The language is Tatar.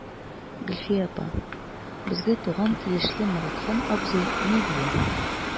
Гөлфия апа, безгә туган тиешле Моратхан абзый ни дия.